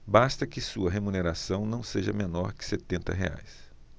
basta que sua remuneração não seja menor que setenta reais